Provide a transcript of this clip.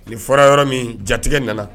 Nin fɔra yɔrɔ min jatigi nana